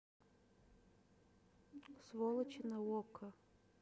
сволочи на окко